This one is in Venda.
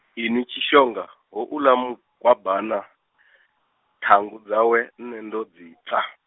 inwi Tshishonga, houḽa Mugwabana , ṱhangu dzawe, nṋe ndo dzi pfa.